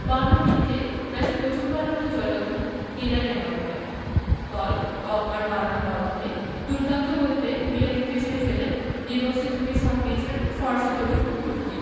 ৫২ মিনিটে ম্যাচে প্রথমবারের মতো জ্বলে উঠেন কিলিয়ান এমবাপ্পে পল পগবার বাড়ানো বল ধরে দুর্দান্ত গতিতে ভিদাকে পেছনে ফেলে ডি বক্সে ঢুকে শট নিয়েছিলেন ফরাসি তরুণ তুর্কি